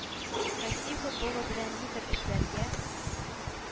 Россия футболы белән нидер эшләргә,